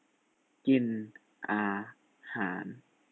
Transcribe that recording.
กินอาหาร